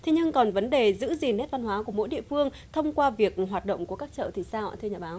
thế nhưng còn vấn đề giữ gìn nét văn hóa của mỗi địa phương thông qua việc hoạt động của các chợ thì sao ạ thưa nhà báo